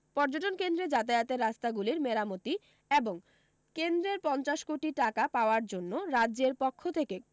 পর্যটন কেন্দ্রে যাতায়াতের রাস্তাগুলির মেরামতি এবং কেন্দ্রের পঞ্চাশ কোটি টাকা পাওয়ার জন্য রাজ্যের পক্ষ থেকে